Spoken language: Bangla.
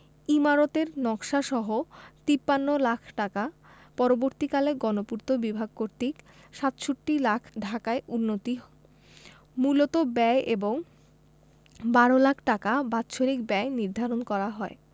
ইমারতের নকশাসহ ৫৩ লাখ টাকা পরবর্তীকালে গণপূর্ত বিভাগ কর্তৃক ৬৭ লাখ ঢাকায় উন্নীত মূলত ব্যয় এবং ১২ লাখ টাকা বাৎসরিক ব্যয় নির্ধারণ করা হয়